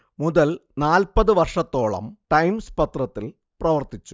മുതൽ നാൽപ്പതു വർഷത്തോളം ടൈെംസ് പത്രത്തിൽ പ്രവർത്തിച്ചു